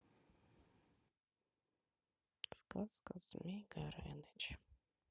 сказка змей горыныч